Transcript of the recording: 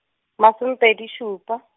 masomepedi šupa.